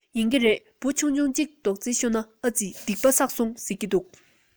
ཡིན གྱི རེད འབུ ཆུང ཆུང ཅིག རྡོག རྫིས ཤོར ནའི ཨ རྩི སྡིག པ བསགས སོང ཟེར གྱི འདུག